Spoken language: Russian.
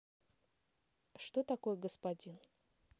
что такое господин